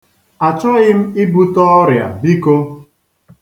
Achọghị m ibute ọrịa biko.